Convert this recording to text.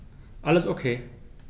Alles OK.